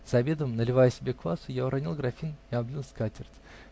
За обедом, наливая себе квасу, я уронил графин и облил скатерть.